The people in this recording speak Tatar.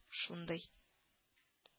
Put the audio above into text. Шундый